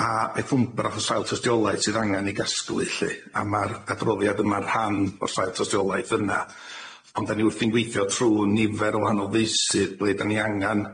a bethwmbrath o sail tystiolaeth sydd angan 'i gasglu lly a ma'r adroddiad yma'n rhan o'r sail tystiolaeth yna ond 'dan ni wrthi'n gweithio trw nifer o wahanol feysydd ble 'dan ni angan